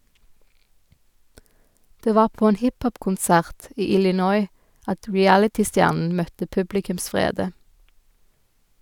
Det var på en hiphop-konsert i Illinois at realitystjernen møtte publikums vrede.